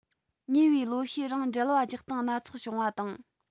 ཉེ བའི ལོ ཤས རིང འགྲེལ བ རྒྱག སྟངས སྣ ཚོགས བྱུང བ དང